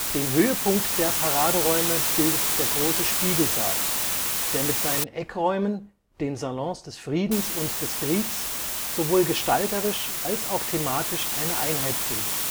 Den Höhepunkt der Paraderäume bildet der große Spiegelsaal, der mit seinen Eckräumen, den Salons des Friedens und des Kriegs, sowohl gestalterisch als auch thematisch eine Einheit bildet